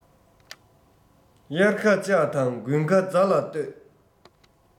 དབྱར ཁ ལྕགས དང དགུན ཁ རྫ ལ ལྟོས